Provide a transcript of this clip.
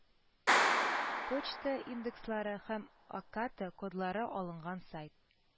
Почта индекслары һәм ОКАТО кодлары алынган сайт